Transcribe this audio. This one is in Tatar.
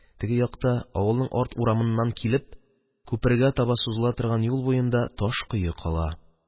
Теге якта, авылның арт урамыннан килеп күпергә таба сузыла торган юл буенда, таш кое кала.